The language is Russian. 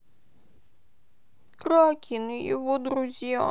кракен и его друзья